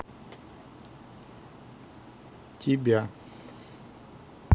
тебя